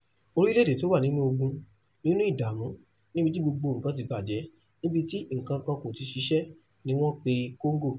Orílẹ̀-èdè tí ó wà nínú ogun, nínú ìdààmú, níbi tí gbogbo nǹkan ti bàjẹ́, níbi tí nǹkankan kò ti ṣiṣẹ́ ni wọ́n pe Congo.